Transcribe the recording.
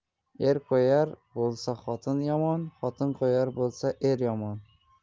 er qo'yar bo'lsa xotin yomon xotin qo'yar bo'lsa er yomon